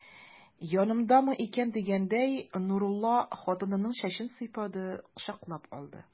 Янымдамы икән дигәндәй, Нурулла хатынының чәчен сыйпады, кочаклап алды.